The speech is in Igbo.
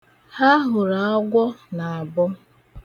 Ha hụrụ agwọ n'abọ.